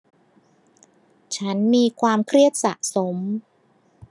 ฉันมีความเครียดสะสม